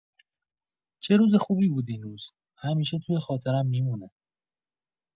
چه روز خوبی بود این روز، همیشه توی خاطرم می‌مونه.